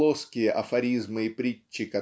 плоские афоризмы и притчи